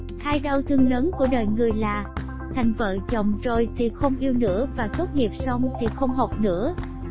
hai đau thương lớn của đời người là thành vợ chồng rồi thì không yêu nữa và tốt nghiệp xong thì không học nữa